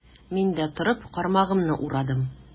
Мин дә, торып, кармагымны урадым.